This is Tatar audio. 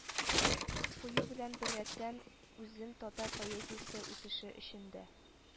Кую белән беррәттән, үзен татар поэзиясе үсеше өчен дә